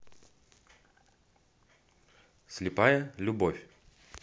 слепая любовь